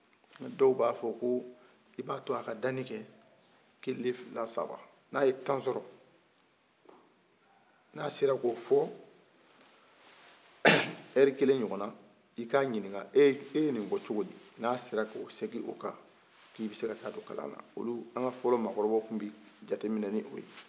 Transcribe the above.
dɔw b'a fɔ ko i ba to a ka danin kɛ kelen fila saba n'a ye tan sɔrɔ n'a sera ko fɔ ɛri kelen ɲɔgɔn na i ka ɲinin ka e ye ni fɔ cogo di